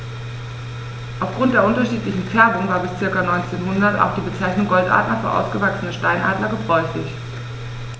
Auf Grund der unterschiedlichen Färbung war bis ca. 1900 auch die Bezeichnung Goldadler für ausgewachsene Steinadler gebräuchlich.